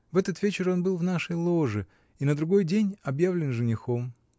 в этот вечер он был в нашей ложе и на другой день объявлен женихом.